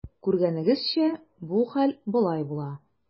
Күргәнегезчә, бу хәл болай була.